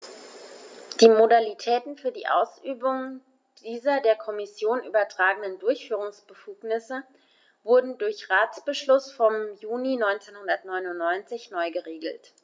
Die Modalitäten für die Ausübung dieser der Kommission übertragenen Durchführungsbefugnisse wurden durch Ratsbeschluss vom Juni 1999 neu geregelt.